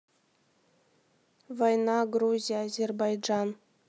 война грузия азербайджан